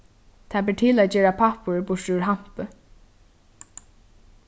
tað ber til at gera pappír burtur úr hampi